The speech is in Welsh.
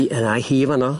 I- yna hi fan 'no.